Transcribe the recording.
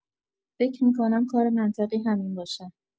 فکر می‌کنم کار منطقی همین باشه